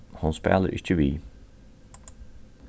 hon spælir ikki við